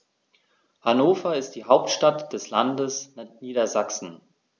Hannover ist die Hauptstadt des Landes Niedersachsen.